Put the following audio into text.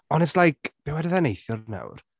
Ond it's like... be wedodd e neithiwr nawr?